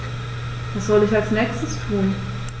Was soll ich als Nächstes tun?